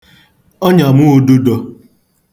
ọnyàmuūdūdō